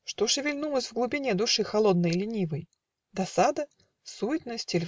Что шевельнулось в глубине Души холодной и ленивой? Досада? суетность?